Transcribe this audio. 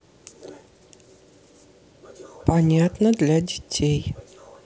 понятно для детей